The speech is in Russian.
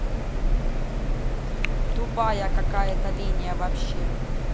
тупая какая то линия вообще